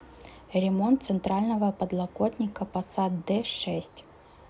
ремонт центрального подлокотника посад д шесть